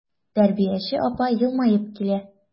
Тәрбияче апа елмаеп килә.